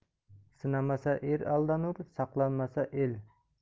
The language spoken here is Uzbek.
sinamasa er aldanur saqlanmasa el